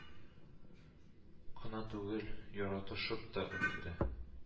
Кына түгел, яратышып та өлгерә